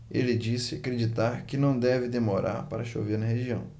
ele disse acreditar que não deve demorar para chover na região